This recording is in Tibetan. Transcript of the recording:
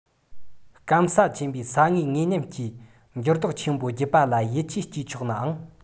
སྐམ ས ཆེན པོས ས ངོས ངོས སྙོམས ཀྱི འགྱུར ལྡོག ཆེན པོ བརྒྱུད པ ལ ཡིད ཆེས སྐྱེ ཆོག ནའང